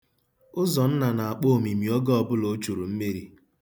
Ụzọnna na-akpọ omimi oge ọbụla o churu mmiri.